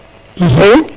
i